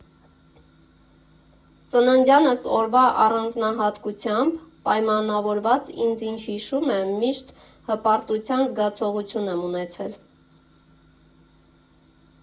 Ծննդյանս օրվա առանձնահատկությամբ պայմանավորված ինչ ինձ հիշում եմ, միշտ հպարտության զգացողություն եմ ունեցել։